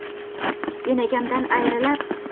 enagamdan ayrilib